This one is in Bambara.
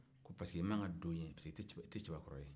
parce que k'i ma kan ka don yen parce que i tɛ cɛbakɔrɔ ye